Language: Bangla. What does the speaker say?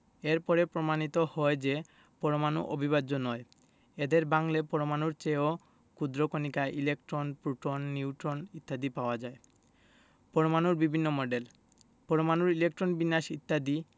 এর পরে প্রমাণিত হয় যে পরমাণু অবিভাজ্য নয় এদের ভাঙলে পরমাণুর চেয়েও ক্ষুদ্র কণিকা ইলেকট্রন প্রোটন নিউট্রন ইত্যাদি পাওয়া যায় পরমাণুর বিভিন্ন মডেল পরমাণুর ইলেকট্রন বিন্যাস ইত্যাদি